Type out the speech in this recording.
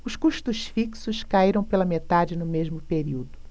os custos fixos caíram pela metade no mesmo período